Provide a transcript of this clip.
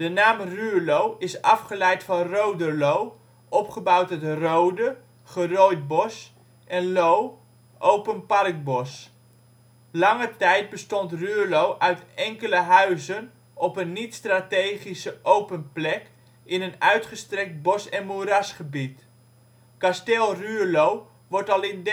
naam Ruurlo is afgeleid van Roderlo, opgebouwd uit - rode - (gerooid bos) en - lo - (open parkbos). Lange tijd bestond Ruurlo uit enkele huizen op een niet-strategische open plek in een uitgestrekt bos - en moerasgebied. Kasteel Ruurlo wordt al in